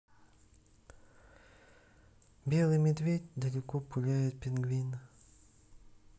белый медведь далеко пуляет пингвина